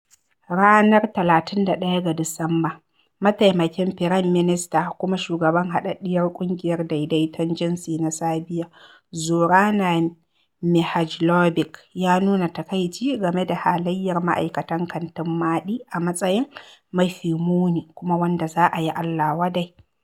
Ranar 31 ga Disamba, mataimakin firanminista kuma shugaban Haɗaɗɗiyar ƙungiyar Daidaton Jinsi na Serbiya, Zorana Mihajloɓic, ya nuna takaici game da halayyar ma'aikatan kantin Maɗi a matsayin "mafi muni kuma wadda za a yi allawadai.